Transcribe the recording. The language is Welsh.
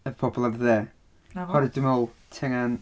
Efo pobl ar y dde... Dyna fo. ...Oherwydd dwi'n meddwl ti angen...